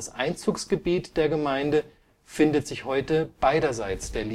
Einzugsgebiet der Gemeinde findet sich heute beiderseits der